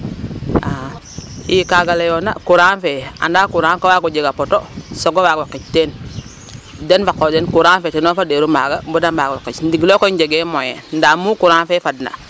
Aha i kaaga layoona courant fe anda courant ko waag o jeg a poto soog o waag o xiceen den fa qoox den courant fe ten o faderu maaga ba da mbaag o qic ndigil lo koy njegee moyen ndamu courant fe fadna